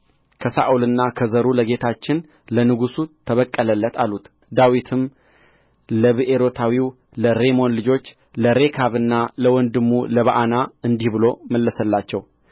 ከሳኦልና ከዘሩ ለጌታችን ለንጉሥ ተበቀለለት አሉት ዳዊትም ለብኤሮታዊው ለሬሞት ልጆች ለሬካብና ለወንድሙ ለበዓና እንዲህ ብሎ መለሰላቸው